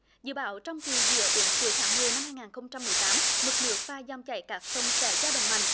dự báo trong kỳ giữa đến cuối tháng mười năm hai nghìn không trăm mười tám mực nước và dòng chảy các sông sẽ dao động mạnh